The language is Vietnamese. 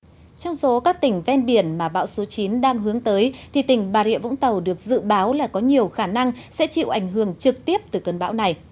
trong số các tỉnh ven biển mà bão số chín đang hướng tới thị tỉnh bà rịa vũng tàu được dự báo là có nhiều khả năng sẽ chịu ảnh hưởng trực tiếp từ cơn bão này